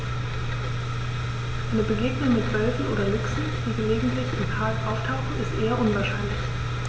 Eine Begegnung mit Wölfen oder Luchsen, die gelegentlich im Park auftauchen, ist eher unwahrscheinlich.